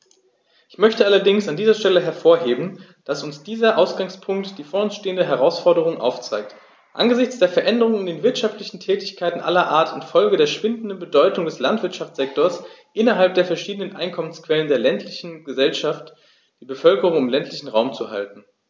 Ich möchte allerdings an dieser Stelle hervorheben, dass uns dieser Ausgangspunkt die vor uns stehenden Herausforderungen aufzeigt: angesichts der Veränderungen in den wirtschaftlichen Tätigkeiten aller Art infolge der schwindenden Bedeutung des Landwirtschaftssektors innerhalb der verschiedenen Einkommensquellen der ländlichen Gesellschaft die Bevölkerung im ländlichen Raum zu halten.